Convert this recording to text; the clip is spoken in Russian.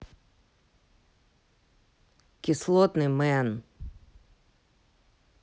кислотный мэн